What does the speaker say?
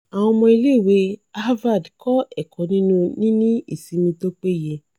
Àwọn ọmọ ilé ìwé Havard kọ ẹ̀kọ́ nínú níní ìsinmi tó peye